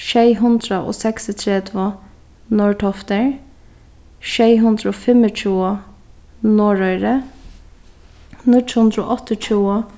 sjey hundrað og seksogtretivu norðtoftir sjey hundrað og fimmogtjúgu norðoyri níggju hundrað og áttaogtjúgu